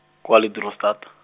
kwa Leeudoringstad.